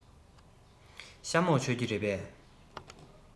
ཤ མོག མཆོད ཀྱི རེད པས